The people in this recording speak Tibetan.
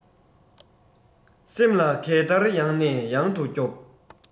སེམས ལ གད བདར ཡང ནས ཡང དུ རྒྱོབ